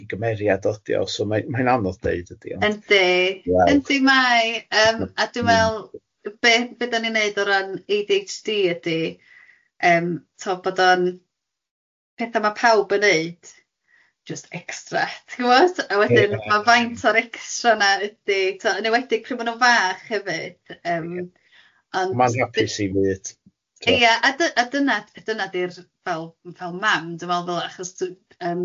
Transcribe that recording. i gymeriad o ydi o so mae'n mae'n anodd deud ydy ond... Yndi yndi mae yym a dwi'n meddwl be be dan ni'n neud o ran ay dee haitch dee ydi yym tibod bod o'n petha ma' pawb yn neud, jyst extra ti'n gwybod a... Ia. ...wedyn ma' faint o'r extra yna ydi tibod yn enwedig pryd ma' nhw'n fach hefyd yym... Ond ma'n hapus i fyd neud tibod... Ia a dy- a dyna dyna ydy'r fel fel mam dwi'n meddwl fel achos tibod yym